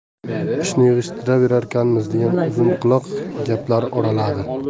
ishni yig'ishtirarkanmiz degan uzunquloq gaplar oraladi